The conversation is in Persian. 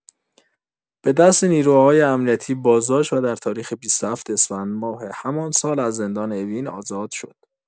به دست نیروهای امنیتی بازداشت، و در تاریخ ۲۷ اسفندماه همان سال از زندان اوین آزاد شد.